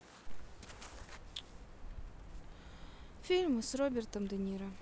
фильмы с робертом де ниро